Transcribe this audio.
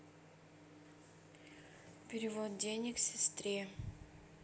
перевод денег сестре